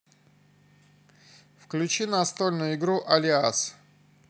включи настольную игру алиас